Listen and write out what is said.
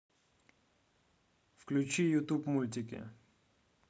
включи ютуб мультики